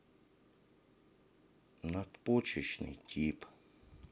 надпочечный тип